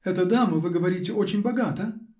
-- Эта дама, вы говорите, очень богата?